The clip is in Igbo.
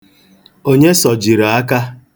Onye sọjiri aka?